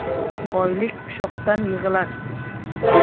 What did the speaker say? boylik ushoqdan yig'ilar